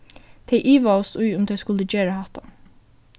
tey ivaðust í um tey skuldu gera hatta